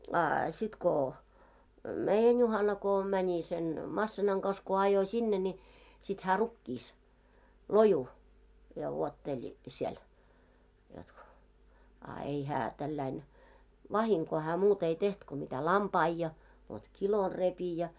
a sitten kun meidän Juhana kun meni sen masiinan kanssa kun ajoi sinne niin sitten hän rukiissa lojui ja vuotteli siellä jotta kun a ei hän tällä lailla vahinkoa hän muuta ei tehnyt kuin mitä lampaita ja vot kilon repi ja